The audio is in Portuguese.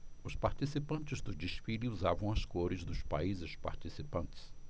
os participantes do desfile usavam as cores dos países participantes